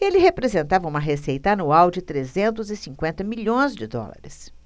ele representava uma receita anual de trezentos e cinquenta milhões de dólares